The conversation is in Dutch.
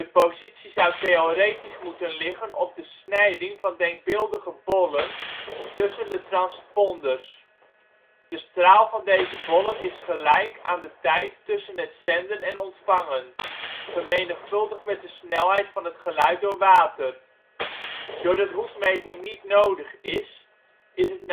positie zou theoretisch moeten liggen op de snijding van denkbeeldige bollen rond de transponders (box-in). De straal van deze bollen is gelijk aan de tijd tussen het zenden en ontvangen, vermenigvuldigd met de snelheid van het geluid door water. Doordat hoekmeting niet nodig is, is het